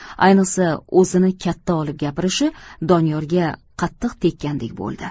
ayniqsa o'zini katta olib gapirishi doniyorga qattiq tekkandek bo'ldi